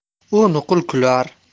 u nuqul kular